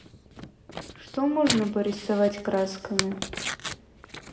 что можно порисовать красками